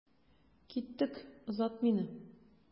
Киттек, озат мине.